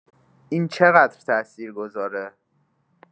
این چقدر تاثیر گذاره؟